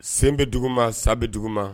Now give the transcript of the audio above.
Sen bɛ dugu ma san bɛ dugu ma